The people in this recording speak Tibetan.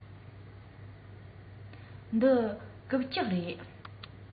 འདི རྐུབ བཀྱག རེད